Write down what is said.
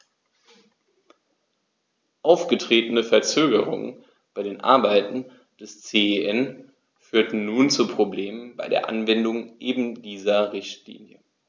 Aufgetretene Verzögerungen bei den Arbeiten des CEN führen nun zu Problemen bei der Anwendung eben dieser Richtlinie.